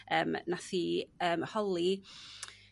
yym nath i yym holi